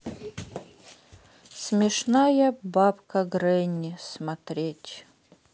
смешная бабка гренни смотреть